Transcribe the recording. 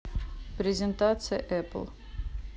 презентация эпл